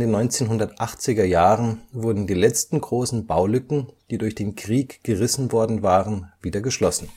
1980er Jahren wurden die letzten großen Baulücken, die durch den Krieg gerissen worden waren, wieder geschlossen